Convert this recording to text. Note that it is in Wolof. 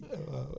waaw